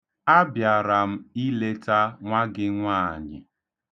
Abịara m ileta nwa gị nwaanyị.